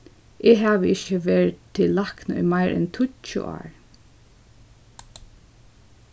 eg havi ikki verið til lækna í meira enn tíggju ár